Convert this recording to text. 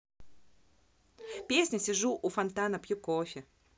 песня сижу у фонтана пью кофе